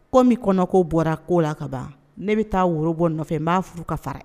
Komin kɔnɔ ko bɔra ko la ka ban . Ne bi taa woro bɔ nin nɔfɛ n ba furu ka fara